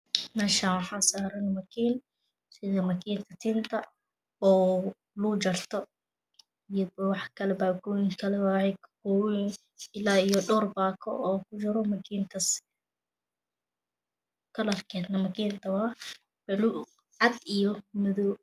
Meshan waxa saran makin wana makinka tinta oo lagu jarto iyo bakoyin kle waye ila iyo dhawr bako klarka makinka wa balug cad iyo madow